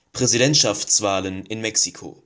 Präsidentschaftswahlen in Mexiko